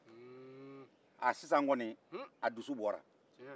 sisan kɔni a dusu bɔra